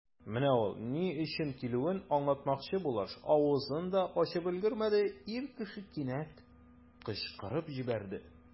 Менә ул, ни өчен килүен аңлатмакчы булыш, авызын да ачып өлгермәде, ир кеше кинәт кычкырып җибәрде.